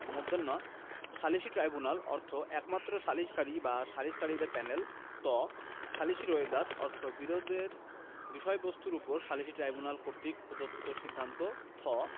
ণ সালিসী ট্রাইব্যুনাল অর্থ একমাত্র সালিসকারী বা সালিসকারীদের প্যানেল ত সালিসী রোয়েদাদ অর্থ বিরোধের বিষয়বস্তুর উপর সালিসী ট্রাইব্যুনাল কর্তৃক প্রদত্ত সিদ্ধান্ত থ